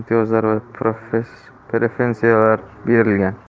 imtiyozlari va preferensiyalar berilgan